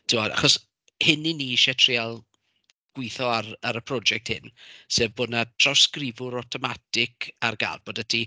Timod achos, hyn i ni isie trial gweitho ar ar y project hyn, sef bod 'na trawsgrifiwr awtomatig ar gael, bod 'da ti...